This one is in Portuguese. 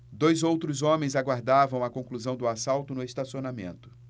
dois outros homens aguardavam a conclusão do assalto no estacionamento